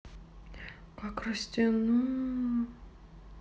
как растянуло